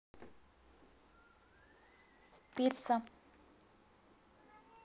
pizza